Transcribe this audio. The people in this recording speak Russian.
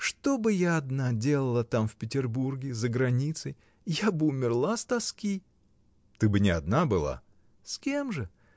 Что бы я одна делала там в Петербурге, за границей? Я бы умерла с тоски. — Ты бы не одна была. — С кем же?